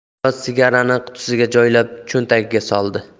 niyoz sigarani qutisiga joylab cho'ntagiga soldi